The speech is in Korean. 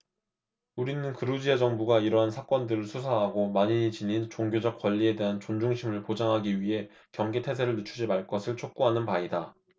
우리는 그루지야 정부가 이러한 사건들을 수사하고 만인이 지닌 종교적 권리에 대한 존중심을 보장하기 위해 경계 태세를 늦추지 말 것을 촉구하는 바이다